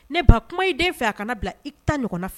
Ne ba kuma i den fɛ a kana bila i ta ɲɔgɔn fɛ